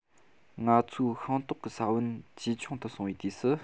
ང ཚོའི ཤིང ཏོག གི ས བོན ཇེ ཆུང དུ སོང བའི དུས སུ